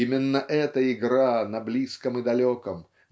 именно эта игра на близком и далеком